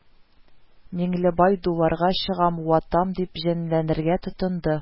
Миңлебай дуларга, "чыгам, ватам", дип җенләнергә тотынды